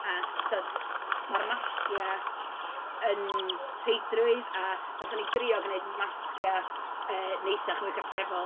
A tibod, ma'r masgiau yn rheidrwydd, a wnaethon ni drio gwneud masgiau yy neisiach mwy cartrefol.